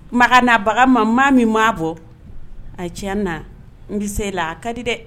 Makan ka na baga n ma, ma min ma bɔ, a tiɲɛ la, n bɛ s' i la, a ka di dɛ.